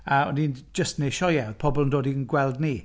A o'n i jyst yn wneud sioeau, oedd pobl yn dod i'n gweld ni.